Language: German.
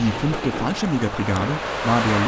5. Fallschirmjägerbrigade war der